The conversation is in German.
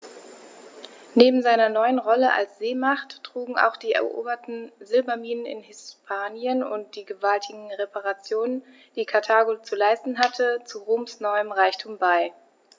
Neben seiner neuen Rolle als Seemacht trugen auch die eroberten Silberminen in Hispanien und die gewaltigen Reparationen, die Karthago zu leisten hatte, zu Roms neuem Reichtum bei.